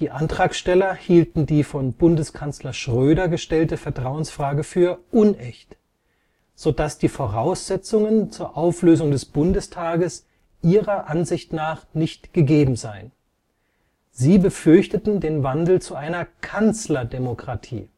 Antragsteller hielten die von Bundeskanzler Schröder gestellte Vertrauensfrage für „ unecht “, so dass die Voraussetzungen zur Auflösung des Bundestages ihrer Ansicht nach nicht gegeben seien. Sie befürchteten den Wandel zu einer Kanzlerdemokratie